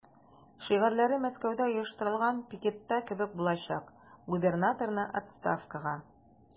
Шигарьләре Мәскәүдә оештырылган пикетта кебек булачак: "Губернаторны– отставкага!"